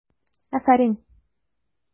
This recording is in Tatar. Афәрин!